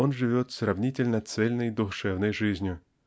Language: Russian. он живет сравнительно цельной душевной жизнью.